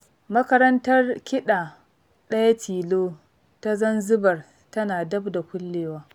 Makarantar kiɗa ɗaya tilo ta Zanzibar tana dab da kullewa.